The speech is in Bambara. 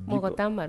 Mɔgɔ t tan mara